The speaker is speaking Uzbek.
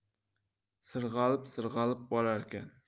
sirg'alib sirg'alib borarkan